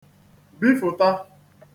bifụta